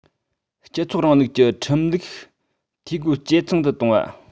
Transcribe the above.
སྤྱི ཚོགས རིང ལུགས ཀྱི ཁྲིམས ལུགས འཐུས སྒོ ཇེ ཚང དུ གཏོང བ